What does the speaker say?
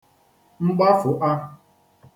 mgbafụ̀ta